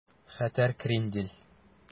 Хәтәр крендель